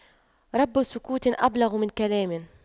رب سكوت أبلغ من كلام